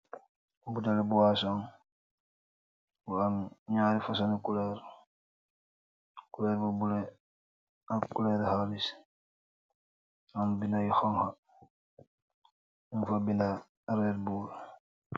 Buteli buwaasong, bu am ñari fañgi kuloor. Kuloor bu buloor ak kuloor xaalis. Am binda yu xooñxa, ñung fa binda" red bull".